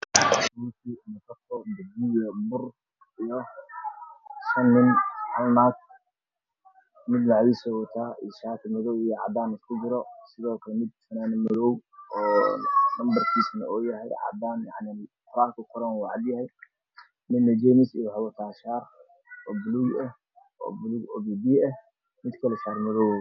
Meeshaan waxaa ka muuqdo cuntooyinka fudud sida sanbuuska nafaqada mandhaasiga iyo kaakaca iyo dhacaan weel yar ku jiro